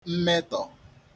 mmetọ̀